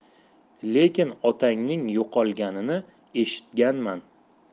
lekin otangning yo'qolganini eshitganman